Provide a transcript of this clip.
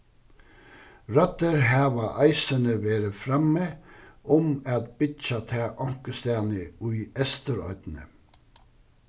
røddir hava eisini verið frammi um at byggja tað onkustaðni í eysturoynni